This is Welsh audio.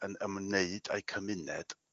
yn ymwneud â'u cymuned